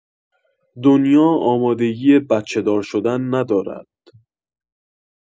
دنیا آمادگی بچه‌دار شدن ندارد.